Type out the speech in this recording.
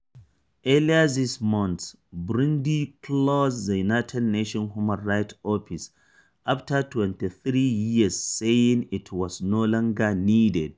Earlier this month, Burundi closed the United Nations human rights office after 23 years, saying it was no longer needed.